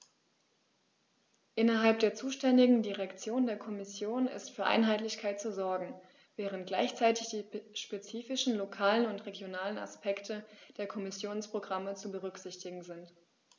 Innerhalb der zuständigen Direktion der Kommission ist für Einheitlichkeit zu sorgen, während gleichzeitig die spezifischen lokalen und regionalen Aspekte der Kommissionsprogramme zu berücksichtigen sind.